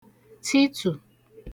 titù